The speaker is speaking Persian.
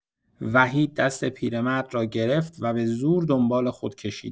وحید دست پیرمرد را گرفت و به‌زور دنبال خود کشید.